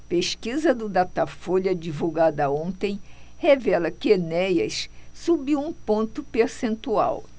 pesquisa do datafolha divulgada ontem revela que enéas subiu um ponto percentual